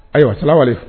Ayiwa salamuhalekum